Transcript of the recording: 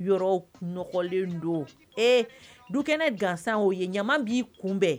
Yɔrɔ nɔgɔlen don ee dukɛnɛ gansan o ye ɲama b'i kunbɛn